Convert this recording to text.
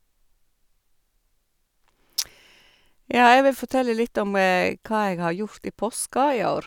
Ja, jeg vil fortelle litt om hva jeg har gjort i påska i år.